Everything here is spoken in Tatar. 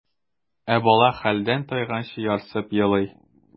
Ә бала хәлдән тайганчы ярсып елый.